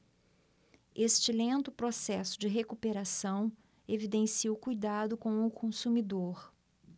este lento processo de recuperação evidencia o cuidado com o consumidor